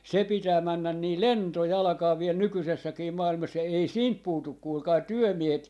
se pitää mennä niin lentojalkaa vielä nykyisessäkin maailmassa ei siitä puutu kuulkaa työmiehet